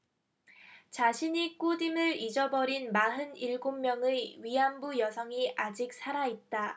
자신이 꽃임을 잊어버린 마흔 일곱 명의 위안부 여성이 아직 살아 있다